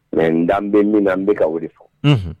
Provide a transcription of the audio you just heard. Mais n' bɛ min an bɛ ka wele fɔ